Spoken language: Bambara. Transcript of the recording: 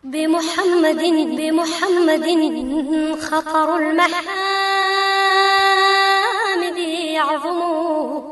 Bmumadblimadnayanbugu